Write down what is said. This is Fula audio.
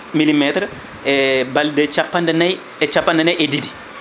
millimétre e balɗe capanɗe nayyi e capanɗe nayyi e ɗiɗi